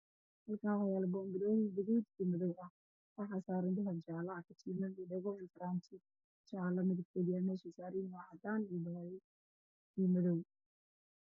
Waxaa ii muuqda darbi ay ku dhagan yihiin boom baro midaw iyo guduud ah oo ay ku jiraan daabi ah